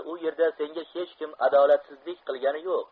u yerda senga hech kim adolatsizlik qilgani yo'q